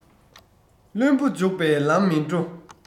བློན པོ འཇུག པའི ལམ མི འགྲོ